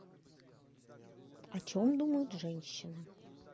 о чем думают женщины